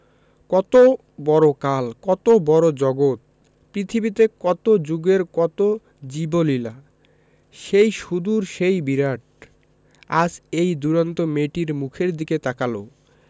কত বড় কাল কত বড় জগত পৃথিবীতে কত জুগের কত জীবলীলা সেই সুদূর সেই বিরাট আজ এই দুরন্ত মেয়েটির মুখের দিকে তাকাল